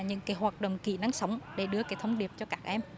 những cái hoạt động kỹ năng sống để đưa cái thông điệp cho các em